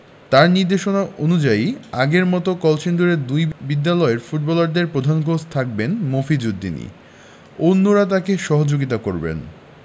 তাঁর নির্দেশনা অনুযায়ী আগের মতো কলসিন্দুরের দুই বিদ্যালয়ের ফুটবলারদের প্রধান কোচ থাকবেন মফিজ উদ্দিনই অন্যরা তাঁকে সহযোগিতা করবেন